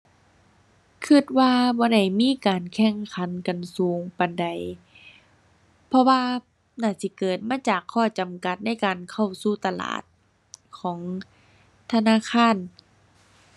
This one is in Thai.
คิดว่าบ่ได้มีการแข่งขันกันสูงปานใด เพราะว่าน่าสิเกิดมาจากข้อจำกัดในการเข้าสู่ตลาดของธนาคาร